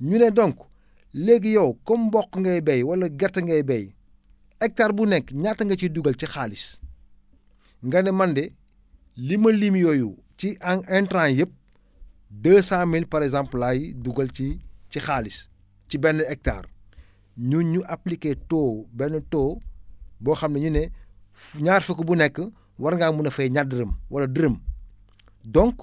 ñu ne donc léegi yow comme mboq ngay béy wala gerte ngay béy hectare bu nekk ñaata nga siy dugal ci xaalis nga ne man de li ma lim yooyu ci intrants yëpp deux cent mille par exemple laay dugal ci ci xaalis ci benn hectare ñun ñu appliquer taux benn taux boo xam ne ñu ne fu ñaar fukk bu nekk war ngaa mun a fay ñaar dërëm wala dërëm donc